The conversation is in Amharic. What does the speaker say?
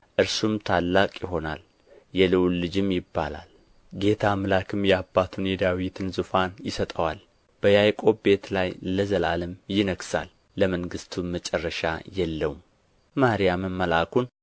እርሱ ታላቅ ይሆናል የልዑል ልጅም ይባላል ጌታ አምላክም የአባቱን የዳዊትን ዙፋን ይሰጠዋል በያዕቆብ ቤትም ላይ ለዘለላም ይነግሣል ለመንግሥቱም መጨረሻ የለውም ማርያምም መልአኩን